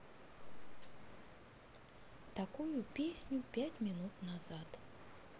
такую песню пять минут назад